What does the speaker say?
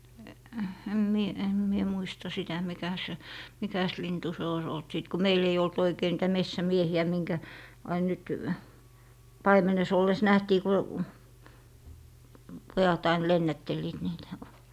en minä en minä muista sitä mikä se mikäs lintu se olisi ollut sitten kun meillä ei ollut oikein niitä metsämiehiä minkä aina nyt paimenessa ollessa nähtiin kun pojat aina lennättelivät niitä